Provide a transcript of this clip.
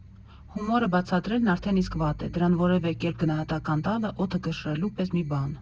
Հումորը բացատրելն արդեն իսկ վատ է, դրան որևէ կերպ գնահատական տալը՝ օդը կշռելու պես մի բան։